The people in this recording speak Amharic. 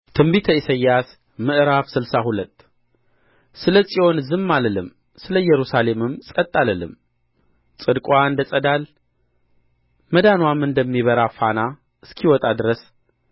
ትንቢተ ኢሳይያስ ምዕራፍ ስልሳ ሁለት ስለ ጽዮን ዝም አልልም ስለ ኢየሩሳሌምም ጸጥ አልልም ጽድቅዋ እንደ ጸዳል መዳንዋም እንደሚበራ ፋና እስኪወጣ ድረስ